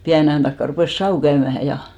pienen ajan takaa rupesi savu käymään ja